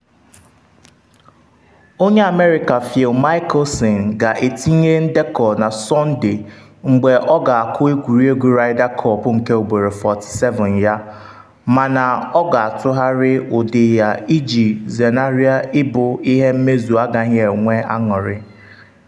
Onye America Phil Mickelson ga-etinye ndekọ na Sọnde mgbe ọ ga-akụ egwuregwu Ryder Cup nke ugboro 47 ya, mana ọ ga-atụgharị ụdị ya iji zenarị ịbụ ihe mmezu agaghị enye anụrị.